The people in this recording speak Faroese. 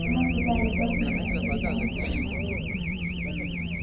hasi bæði børnini eru javngomul